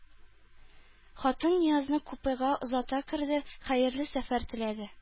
Хатын Ниязны купега озата керде, хәерле сәфәр теләде